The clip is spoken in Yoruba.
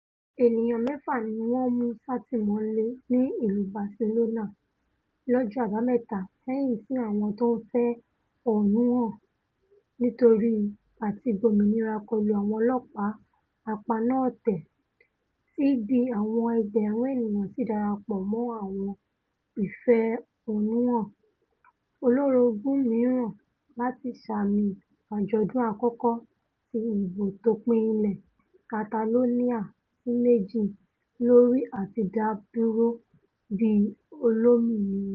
ènìyàn mẹ́fà ni wọ́n mú sátìmọ́lé ní ìlú Barcelona lọ́jọ́ Àbámẹ́ta lẹ́yìn tí àwọn tó ńfẹ̀hónúhàn nítorí àti-gbòmìnira kọlú àwọn ọlọ́ọ̀pá apaná-ọ̀tẹ̀, tí bíi àwọn ẹgbẹ̀rún ènìyàn sì darapọ̀ mọ awọn ìfẹ̀hónúhàn olórogún mìíràn láti ṣààmi àjọ̀dún àkọ́kọ́ ti ìbò tópín ilẹ̀ Catalonia sì méjì lórí àti dá dúró bíi olómìnira.